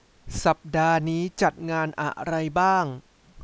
สัปดาห์นี้จัดงานอะไรบ้าง